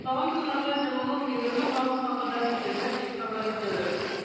Алдагы көннәрдә җылылык 20 градуска кадәр җитәчәк дип хәбәр итәләр.